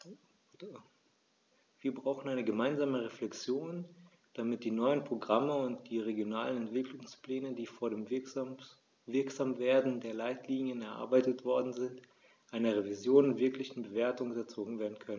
Wir brauchen eine gemeinsame Reflexion, damit die neuen Programme und die regionalen Entwicklungspläne, die vor dem Wirksamwerden der Leitlinien erarbeitet worden sind, einer Revision und wirklichen Bewertung unterzogen werden können.